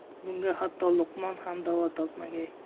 bunga hatto luqmon ham davo topmagay